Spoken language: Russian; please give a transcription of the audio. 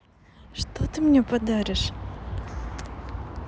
что ты мне подаришь